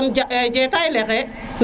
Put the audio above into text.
konn jetay le xay ye